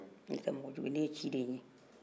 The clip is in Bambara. ne tɛ mɔgɔ jugu ye ne ye ciden ye